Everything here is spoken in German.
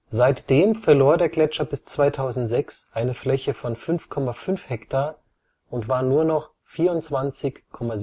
Seitdem verlor der Gletscher bis 2006 eine Fläche von 5,5 ha und war nur noch 24,7